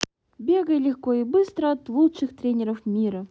бегай легко и быстро от лучших тренеров мира